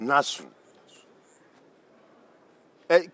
nasun